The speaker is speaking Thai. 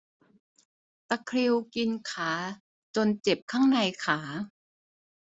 ตะคริวกินขาจนเจ็บข้างในขา